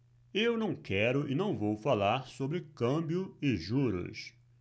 eu não quero e não vou falar sobre câmbio e juros